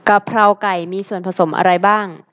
กะเพราไก่มีส่วนผสมอะไรบ้าง